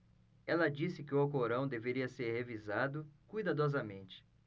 ela disse que o alcorão deveria ser revisado cuidadosamente